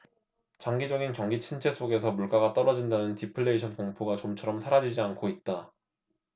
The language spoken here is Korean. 장기적인 경기침체 속에서 물가가 떨어지는 디플레이션 공포가 좀처럼 사라지지 않고 있다